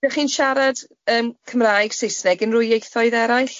Ydych chi'n siarad yym Cymraeg, Saesneg unrhyw ieithoedd eraill?